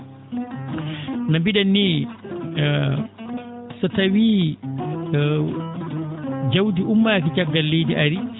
no mbii?en ni so tawii jawdi ummaaki caggal leydi ari